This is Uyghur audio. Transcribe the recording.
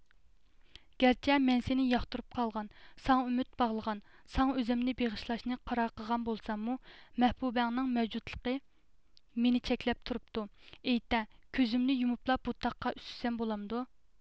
گەرچە مەن سېنى ياقتۇرۇپ قالغان ساڭا ئۈمۈد باغلىغان ساڭا ئۆزۈمنى بېغىشلاشنى قارار قىلغان بولساممۇ مەھبۇبەڭنىڭ مەۋجۇتلۇقى مېنى چەكلەپ تۇرۇپتۇ ئېيتە كۆزۈمنى يۇمۇپلا بۇ تاغقا ئۈسسەم بولامدۇ